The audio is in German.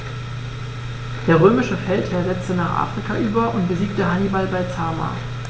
Der römische Feldherr setzte nach Afrika über und besiegte Hannibal bei Zama.